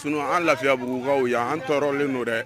Sun an lafiya burukaw yan an tɔɔrɔlen n'o dɛ